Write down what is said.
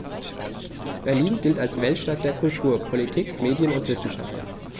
Berlin gilt als Weltstadt der Kultur, Politik, Medien und Wissenschaften.